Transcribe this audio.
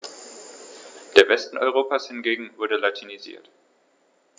Der Westen Europas hingegen wurde latinisiert.